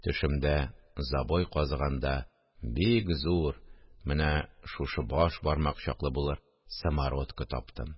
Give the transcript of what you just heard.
Төшемдә забой казыганда бик зур – менә шушы баш бармак чаклы булыр – самородкы таптым